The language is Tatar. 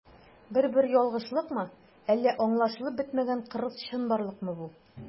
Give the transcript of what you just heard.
Бер-бер ялгышлыкмы, әллә аңлашылып бетмәгән кырыс чынбарлыкмы бу?